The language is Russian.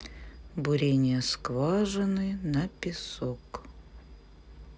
бурение скважины на песок